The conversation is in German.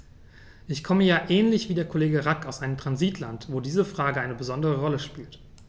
Ich komme ja ähnlich wie der Kollege Rack aus einem Transitland, wo diese Frage eine besondere Rolle spielt.